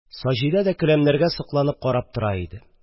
Саҗидә дә келәмнәргә сокланып карап тора иде.